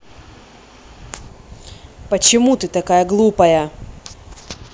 почему ты такая глупая